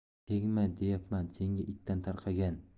tegma deyapman senga itdan tarqagan